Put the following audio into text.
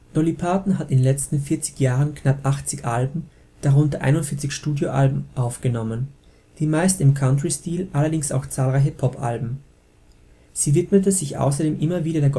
Dolly Parton hat in den letzten 40 Jahren knapp 80 Alben (darunter 41 Studioalben) aufgenommen; die meisten im Country-Stil, allerdings auch zahlreiche Pop-Alben. Sie widmete sich außerdem immer wieder